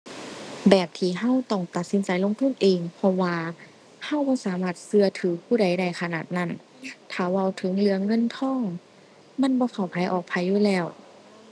แบบที่เราต้องตัดสินใจลงทุนเอง เพราะว่าเราบ่สามารถเราถือผู้ใดได้ขนาดนั้น ถ้าเว้าถึงเรื่องเงินทอง มันบ่เข้าไผออกไผอยู่แล้ว